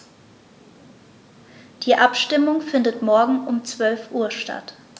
Die Abstimmung findet morgen um 12.00 Uhr statt.